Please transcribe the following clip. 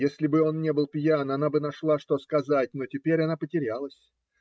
Если бы он не был пьян, она бы нашла, что сказать, но теперь она потерялась.